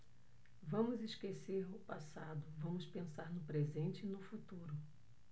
vamos esquecer o passado vamos pensar no presente e no futuro